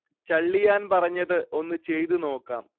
ചള്ളിയാൻ പറഞ്ഞത് ഒന്ന് ചെയ്ത് നോക്കാം